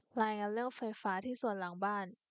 รายงานเรื่องไฟฟ้าที่สวนหลังบ้าน